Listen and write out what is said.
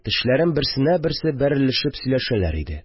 Тешләрем берсенә берсе бәрелешеп сөйләшәләр иде